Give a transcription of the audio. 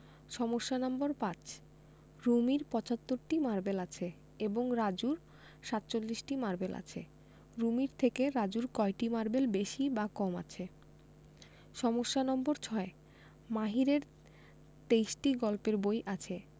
সমস্যা নম্বর ৫ রুমির ৭৫টি মারবেল আছে এবং রাজুর ৪৭টি মারবেল আছে রুমির থেকে রাজুর কয়টি মারবেল বেশি বা কম আছে সমস্যা নম্বর ৬ মাহিরের ২৩টি গল্পের বই আছে